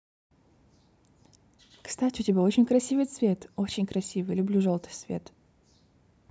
кстати у тебя очень красивый цвет очень красивый люблю желтый свет